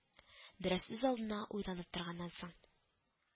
Бераз үзалдына уйланып торганнан соң